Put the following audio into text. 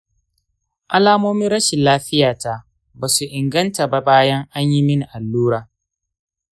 alamomin rashin lafiyata ba su inganta ba bayan an yi mini allura.